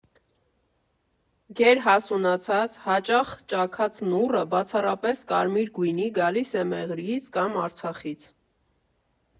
Գերհասունացած, հաճախ ճաքած նուռը՝ բացառապես կարմիր գույնի, գալիս է Մեղրիից կամ Արցախից։